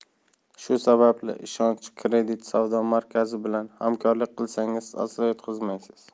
shu sababli ishonch kredit savdo markazi bilan hamkorlik qilsangiz aslo yutqazmaysiz